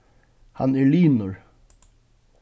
hann er linur